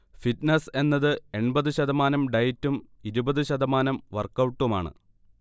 fitness എന്നത് എൺപത് ശതമാനം ഡയറ്റും ഇരുപത് ശതമാനം വർക്കൗട്ടുമാണ്